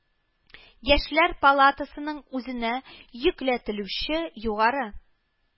Яшьләр палатасының үзенә йөкләтелүче югары